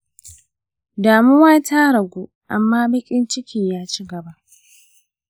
damuwa ta ragu amma baƙin ciki ya ci gaba.